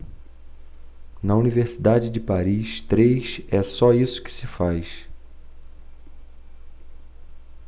na universidade de paris três é só isso que se faz